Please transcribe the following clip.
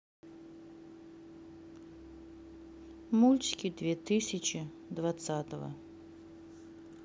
мультики две тысячи двадцатого